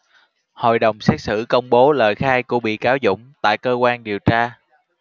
hội đồng xét xử công bố lời khai của bị cáo dũng tại cơ quan điều tra